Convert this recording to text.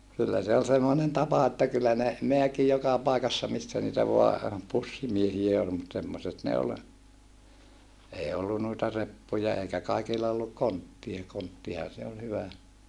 kyllä se oli semmoinen tapa että kyllä ne määki joka paikassa missä niitä vain pussimiehiä oli mutta semmoiset ne oli ei ollut noita reppuja eikä kaikilla ollut konttia konttihan se oli hyvä